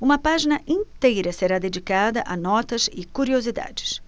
uma página inteira será dedicada a notas e curiosidades